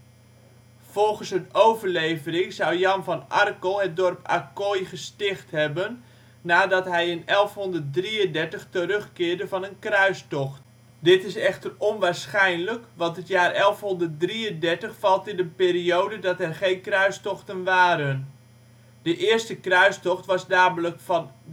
Volgens een overlevering zou een Jan van Arkel het dorp Acquoy gesticht hebben, nadat hij in 1133 terugkeerde van een kruistocht. Dit is echter onwaarschijnlijk, want het jaar 1133 valt in een periode dat er geen kruistochten waren. De eerste kruistocht was namelijk van